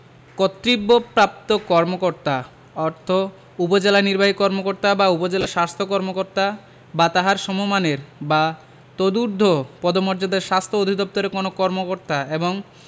কর্তৃত্তবপ্রাপ্ত কর্মকর্তা অর্থ উপজেলা নির্বাহী কর্মকর্তা বা উপজেলা স্বাস্থ্য কর্মকর্তা বা তাঁহার সমমানের বা তদূর্ধ্ব পদমর্যাদার স্বাস্থ্য অধিদপ্তরের কোন কর্মকর্তা এবং